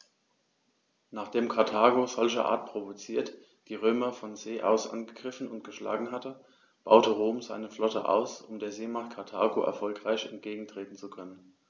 Nachdem Karthago, solcherart provoziert, die Römer von See aus angegriffen und geschlagen hatte, baute Rom seine Flotte aus, um der Seemacht Karthago erfolgreich entgegentreten zu können.